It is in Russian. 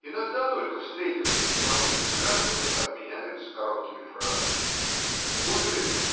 Иногда только встретившиеся на улице граждане обменяются короткими фразами - Были?